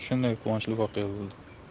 shunday quvonchli voqea bo'ldi